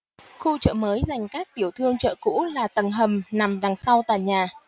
khu chợ mới dành các tiểu thương chợ cũ là tầng hầm nằm đằng sau tòa nhà